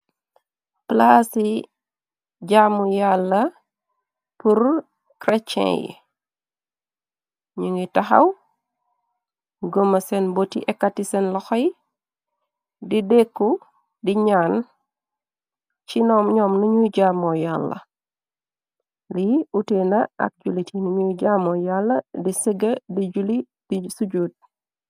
Palaase ci jaamu yàlla pur crecin yi ñu ngi taxaw goma seen boti ekati seen loxoy di dekku di ñaan ci ñoom nañu jaamo yàlla lii uteena ak julit yi nañuy jaamoo yàll di sëga di juli di sujjuut.